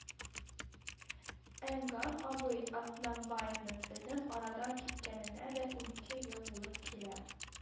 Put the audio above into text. Әнгам абый Атнабаевның безнең арадан киткәненә дә унике ел булып килә